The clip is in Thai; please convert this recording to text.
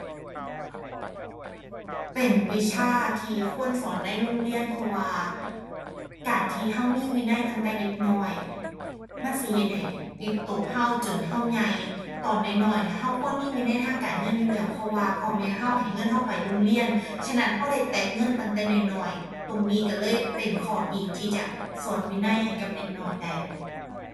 เป็นวิชาที่ควรสอนในโรงเรียนเพราะว่า การที่เรามีวินัยตั้งแต่เด็กน้อย มันสิเฮ็ดให้ติดโตเราจนเราใหญ่ ตอนน้อยน้อยนี่เราควรมีวินัยทางการเงินอยู่แล้วเพราะว่าพ่อแม่เราให้เงินเราไปโรงเรียน ฉะนั้นเราได้แตะเงินตั้งแต่น้อยน้อย ตรงนี้เราเลยเป็นข้อดีที่จะสอนวินัยให้กับเด็กน้อยได้